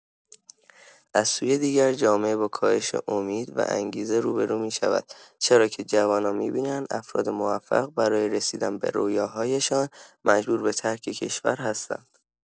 از سوی دیگر، جامعه با کاهش امید و انگیزه روبه‌رو می‌شود، چرا که جوانان می‌بینند افراد موفق برای رسیدن به رویاهایشان مجبور به ترک کشور هستند.